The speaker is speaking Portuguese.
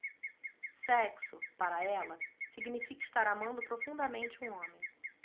sexo para ela significa estar amando profundamente um homem